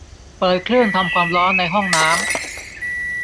เปิดเครื่องทำความร้อนในห้องน้ำ